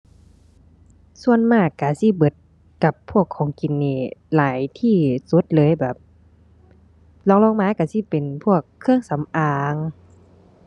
ส่วนมากก็สิเบิดกับพวกของกินนี่หลายที่สุดเลย แบบ รองลงมาก็สิเป็นพวกเครื่องสำอาง